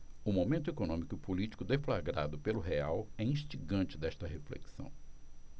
o momento econômico e político deflagrado pelo real é instigante desta reflexão